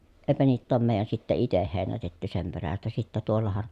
eipä niitä ole meidän sitten itse heinätetty sen perästä sitten tuollahan